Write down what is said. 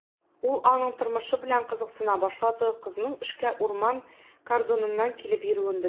Ул аның тормышы белән кызыксына башлады, кызның эшкә урман кордоныннан килеп йөрүен белде.